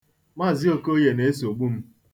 Mz. Okoye na-esogbu m.